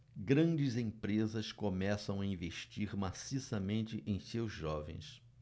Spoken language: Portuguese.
grandes empresas começam a investir maciçamente em seus jovens